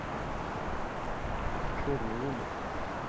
черный умер